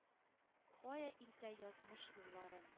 Кая илтә язмыш юлларын,